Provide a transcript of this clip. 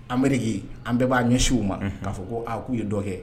Anbarike an bɛɛ b'a ɲɛsinw ma k kaa fɔ ko aa k'u ye dɔ kɛ